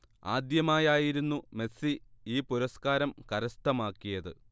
ആദ്യമായായിരുന്നു Messi ഈ പുരസ്കാരം കരസ്ഥമാക്കിയത്